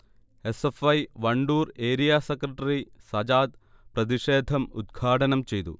S. F. I. Wandoor area secretary Sajad പ്രതിഷേധം ഉദ്ഘാടനം ചെയ്തു